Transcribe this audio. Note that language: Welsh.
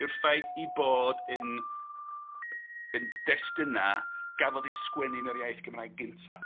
.yw'r ffaith eu bod yn... yn destunau gafodd eu 'sgwennu yn yr iaith Gymraeg gynta'.